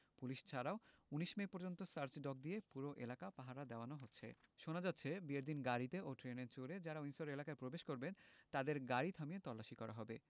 police ছাড়াও ১৯ May পর্যন্ত search dog দিয়ে পুরো এলাকা পাহারা দেওয়ানো হচ্ছে শোনা যাচ্ছে বিয়ের দিন গাড়িতে ও ট্রেনে চড়ে যাঁরা উইন্ডসর এলাকায় প্রবেশ করবেন তাঁদের গাড়ি থামিয়ে তল্লাশি করা হবে